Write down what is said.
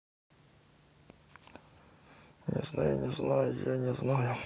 не знаю не знаю я не знаю